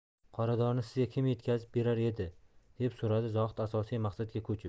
qoradorini sizga kim yetkazib berar edi deb so'radi zohid asosiy maqsadga ko'chib